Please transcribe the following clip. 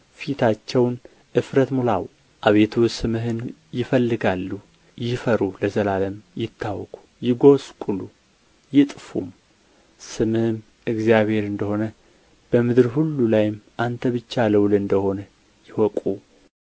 ፊታቸውን እፍረት ሙላው አቤቱ ስምህንም ይፈልጋሉ ይፈሩ ለዘላለሙም ይታወኩ ይጐስቍሉ ይጥፉም ስምህም እግዚአብሔር እንደ ሆነ በምድር ሁሉ ላይም አንተ ብቻ ልዑል እንደ ሆንህ ይወቁ